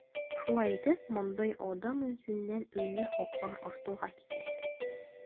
Шулай итеп, мондый адым үзеннән-үзе хаклар артуга китерә.